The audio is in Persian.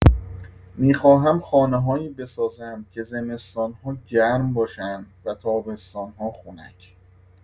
می‌خواهم خانه‌هایی بسازم که زمستان‌ها گرم باشند و تابستان‌ها خنک.